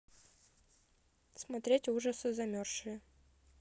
смотреть ужасы замерзшие